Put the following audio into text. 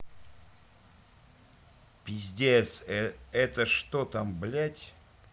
пиздец это что там блядь